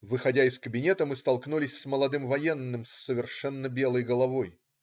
Выходя из кабинета, мы столкнулись с молодым военным с совершенно белой головой.